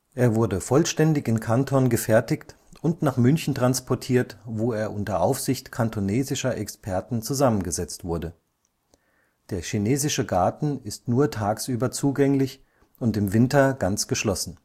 Er wurde vollständig in Kanton gefertigt und nach München transportiert, wo er unter Aufsicht kantonesischer Experten zusammengesetzt wurde. Der chinesische Garten ist nur tagsüber zugänglich und im Winter ganz geschlossen